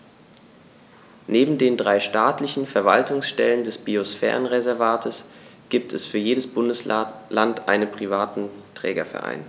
Neben den drei staatlichen Verwaltungsstellen des Biosphärenreservates gibt es für jedes Bundesland einen privaten Trägerverein.